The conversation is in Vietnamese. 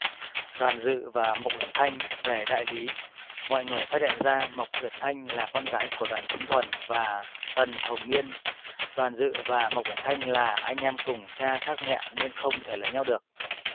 đoàn dự và mộc uyển thanh về đại lý mọi người phát hiện ra mộc uyển thanh là con gái của đoàn chính thuần và tần hồng miên đoàn dự và mộc uyển thanh là anh em cùng cha khác mẹ nên không thể lấy nhau được